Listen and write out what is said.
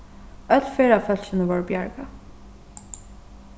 øll ferðafólkini vóru bjargað